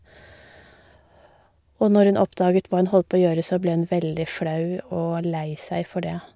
Og når hun oppdaget hva hun holdt på å gjøre, så ble hun veldig flau og lei seg for det.